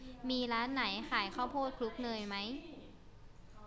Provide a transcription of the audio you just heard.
มีร้านไหนขายข้าวโพดคลุกเนยไหม